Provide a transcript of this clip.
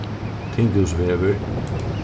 tinghúsvegur